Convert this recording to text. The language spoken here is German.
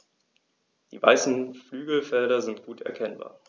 Die weißen Flügelfelder sind gut erkennbar.